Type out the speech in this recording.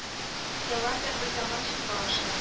Хыяллар да берзаман чынга аша